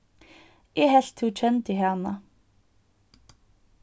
eg helt tú kendi hana